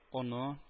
Оны